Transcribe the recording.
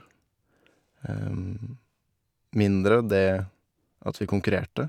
Mindre det at vi konkurrerte.